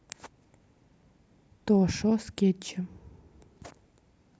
то шо скетчи